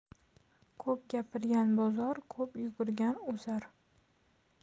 ko'p gapirgan bozor ko'p yugurgan ozar